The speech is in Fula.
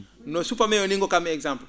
no suppame oo nii ngokkatmi exemple